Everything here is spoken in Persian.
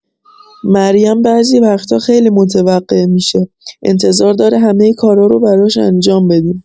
مریم بعضی وقتا خیلی متوقع می‌شه، انتظار داره همه کارا رو براش انجام بدیم.